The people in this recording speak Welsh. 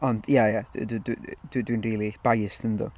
Ond, ia ia, d- d- dw- dw- dwi'n rili biased yndw?